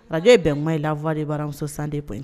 Ara ye bɛn kuma ye lafa de baramuso san dep yen